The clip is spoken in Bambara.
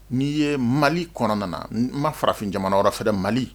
N'i ye mali kɔnɔna na n ma farafin jamana yɔrɔ fɛ mali